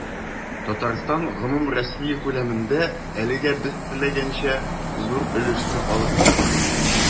Татарстан гомумроссия күләмендә, әлегә без теләгәнчә, зур өлешне алып тормый.